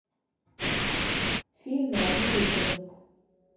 фильм родной ребенок